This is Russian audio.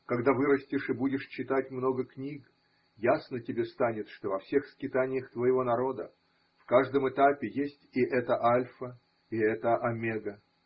Когда вырастешь и будешь читать много книг, ясно тебе станет, что во всех скитаниях твоего народа, в каждом этапе есть и эта альфа, и эта омега